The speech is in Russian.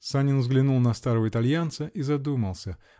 Санин взглянул на старого итальянца -- и задумался.